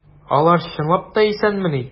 Алар чынлап та исәнмени?